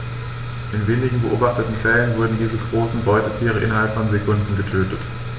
In den wenigen beobachteten Fällen wurden diese großen Beutetiere innerhalb von Sekunden getötet.